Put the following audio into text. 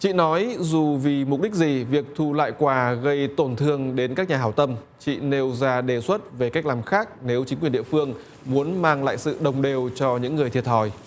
chị nói dù vì mục đích gì việc thu lại quà gây tổn thương đến các nhà hảo tâm chị nêu ra đề xuất về cách làm khác nếu chính quyền địa phương muốn mang lại sự đồng đều cho những người thiệt thòi